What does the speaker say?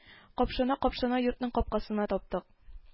Капшана-капшана йортның капкасын таптык